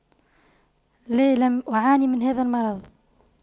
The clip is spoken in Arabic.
لا لم أعاني من هذا المرض